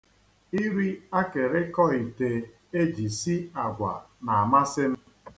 Iri akịrịkọ ite e ji si àgwà na-amasị m.